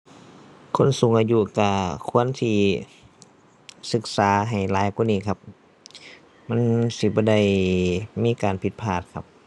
คนสูงอายุก็ควรที่ศึกษาให้หลายกว่านี้ครับ มันสิบ่ได้มีการผิดพลาดครับ